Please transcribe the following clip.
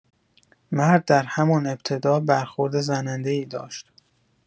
مرد در همان ابتدا برخورد زننده‌ای داشت.